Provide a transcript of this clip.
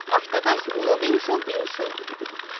অষ্টাদশ উনবিংশ বিংশ